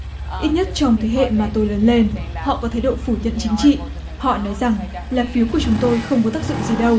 ít nhất trong thế hệ mà tôi lớn lên họ có thái độ phủ nhận chính trị họ nói rằng lá phiếu của chúng tôi không có tác dụng gì đâu